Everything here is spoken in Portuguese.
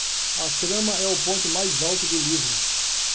a trama é o ponto mais alto do livro